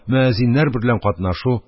Мөәззиннәр берлән катнашу,